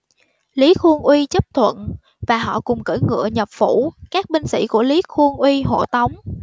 lý khuông uy chấp thuận và họ cùng cưỡi ngựa nhập phủ các binh sĩ của lý khuông uy hộ tống